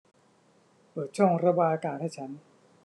เปิดช่องระบายอากาศให้ฉัน